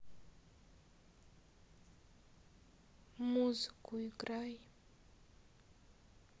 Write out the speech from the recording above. музыку играй